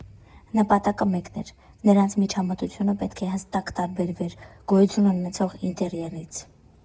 Նպատակը մեկն էր՝ նրանց միջամտությունը պետք է հստակ տարբերվեր գոյություն ունեցող ինտերիերից։